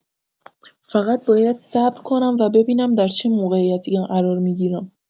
فقط باید صبر کنم و ببینم در چه موقعیتی قرار می‌گیرم.